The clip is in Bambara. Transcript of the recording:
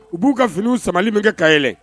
U b'u ka finiw samali min kɛ kay